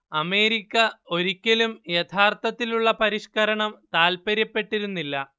America ഒരിക്കലും യഥാർത്ഥത്തിലുള്ള പരിഷ്കരണം താല്പര്യപ്പെട്ടിരുന്നില്ല